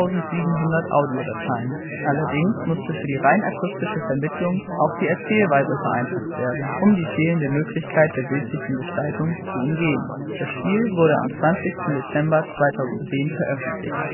1700 Audiodateien. Allerdings musste für die rein akustische Vermittlung auch die Erzählweise vereinfacht werden, um die fehlende Möglichkeit der bildlichen Gestaltung zu umgehen. Das Spiel wurde am 20. Dezember 2010 veröffentlicht